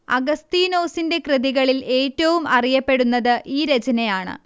അഗസ്തീനോസിന്റെ കൃതികളിൽ ഏറ്റവും അറിയപ്പെടുന്നത് ഈ രചനയാണ്